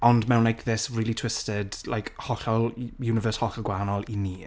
Ond, mewn like this really twisted, like hollol... universe hollol gwahanol i ni.